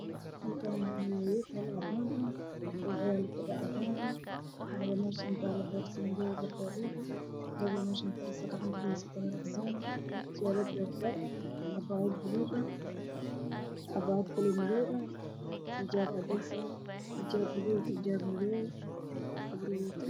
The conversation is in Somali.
Meeshaan waa hool muxaafadiyay gabdho waxa ay wataan dhar kuraas cadaan ayey ku fadhiyaan